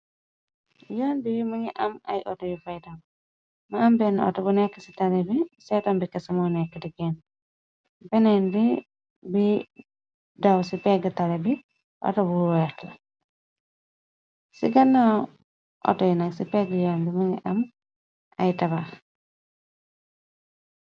Yoon bi muge am ay auto yu fay daw mu am bena auto bu nekk ci talé bi seetom be keseh mu neka de genah beneen be bi daw ci pegg tali bi ato bu weex la ci gannaaw auto yu neg ci pegg yen bi mëngi am ay tabax.